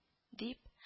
— дип